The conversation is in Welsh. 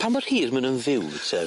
Pan mor hir ma' nw'n fyw te...